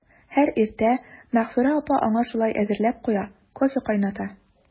Һәр иртә Мәгъфүрә апа аңа шулай әзерләп куя, кофе кайната.